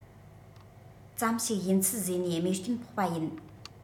ཙམ ཞིག ཡིན ཚུལ བཟོས ནས རྨས སྐྱོན ཕོག པ ཡིན